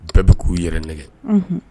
Bɛɛ bɛ k'u yɛrɛ nɛgɛ